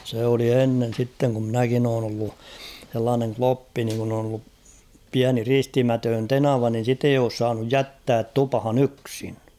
se oli ennen sitten kun minäkin olen ollut sellainen kloppi niin kun on ollut pieni ristimätön tenava niin sitten ei ole saanut jättää tupaan yksin